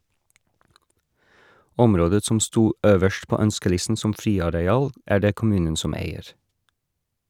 Området som sto øverst på ønskelisten som friareal, er det kommunen som eier.